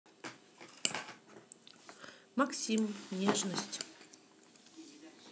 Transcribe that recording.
максим нежность